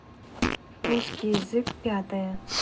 русский язык пятая